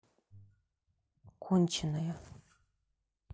конченная